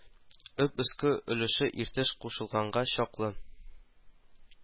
Об өске өлеше Иртеш кушылганга чаклы